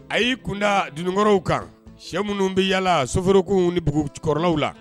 A y'i kun da dununkɔrɔw kan sɛ minnu bɛ yaala soforoku nikɔrɔlaww la